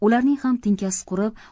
ularning ham tinkasi qurib